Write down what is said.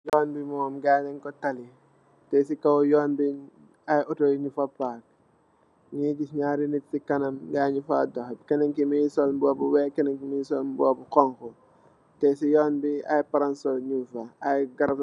Yoon bi mom, gaayi dañg ko tali, té si kow Yoon bi motto yi ñung fa paan. Ñu gis ñaari nit si kanam, gaayi ñum faa dox. Kenen ki mbu ngi sol mbuba bu weex, kenen ki mu ngi sol mbuba bu xoñxu. Té si yoon bi, palasoor muñg fa.